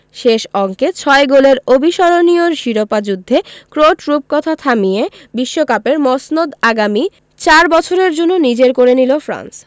শেষ অঙ্কে ছয় গোলের অবিস্মরণীয় শিরোপা যুদ্ধে ক্রোট রূপকথা থামিয়ে বিশ্বকাপের মসনদ আগামী চার বছরের জন্য নিজেদের করে নিল ফ্রান্স